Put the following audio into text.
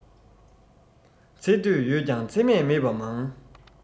ཚེ སྟོད ཡོད ཀྱང ཚེ སྨད མེད པ མང